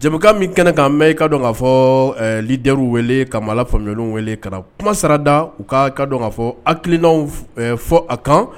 jama min kɛnɛ' bɛ i ka dɔn k kaa fɔ liɛ weele ka fanjɔw weele ka kuma sarada u ka ka dɔn k kaa fɔ akilina fɔ a kan